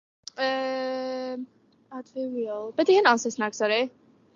Yym adfywiol be 'di hynna'n Susnag sori?